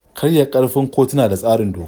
Karya ƙarfin kotuna da tsarin doka